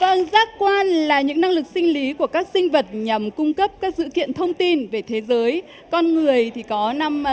vâng giác quan là những năng lực sinh lý của các sinh vật nhằm cung cấp các dữ kiện thông tin về thế giới con người thì có năm